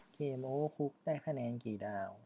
เกมโอเวอร์คุกได้คะแนนกี่ดาว